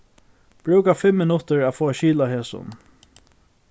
brúka fimm minuttir at fáa skil á hesum